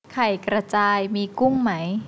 ไข่กระจายมีกุ้งไหม